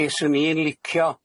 Be' swn i'n licio